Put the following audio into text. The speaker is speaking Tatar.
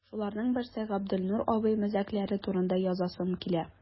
Шуларның берсе – Габделнур абый мәзәкләре турында язасым килә.